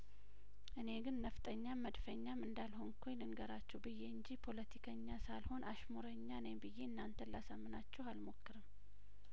እኔ ግን ነፍጠኛም መድፈኛም እንዳልሆኩኝ ልንገራችሁ ብዬ እንጂ ፖለቲከኛ ሳል ሆን አሽሙረኛ ነኝ ብዬ እናንተን ላሳምናችሁ አልሞክርም